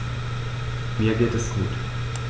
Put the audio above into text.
Mir geht es gut.